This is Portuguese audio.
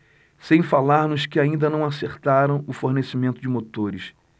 sem falar nos que ainda não acertaram o fornecimento de motores